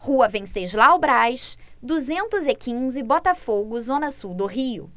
rua venceslau braz duzentos e quinze botafogo zona sul do rio